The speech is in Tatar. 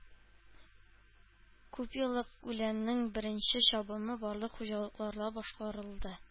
Күпьеллык үләннең беренче чабымы барлык хуҗалыкларда башкарылды